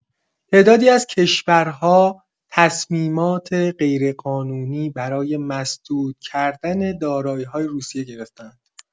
تعدادی از کشورها تصمیمات غیرقانونی برای مسدود کردن دارایی‌های روسیه گرفته‌اند.